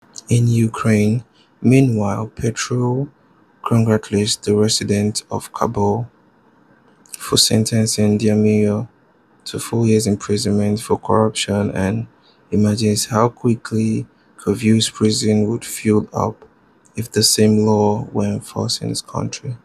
In Ukraine, meanwhile, Petro congratulates the residents of Kabul for sentencing their mayor to four years of prison for corruption and imagines how quickly Kyiv's prisons would fill up if the same laws were enforced in his country.